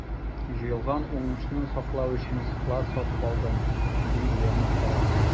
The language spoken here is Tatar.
Җыелган уңышны саклау өчен склад сатып алдым, - ди Леонид Тарасов.